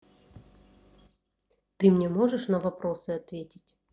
ты мне можешь на вопросы ответить